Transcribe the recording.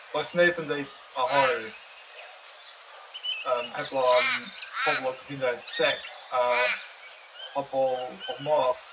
Does neb yn deud ahoy yym heblaw am bobl o Gweriniaeth Tsiec a pobl o'r môr.